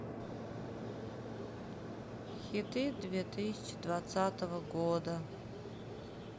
хиты две тысячи двадцатого года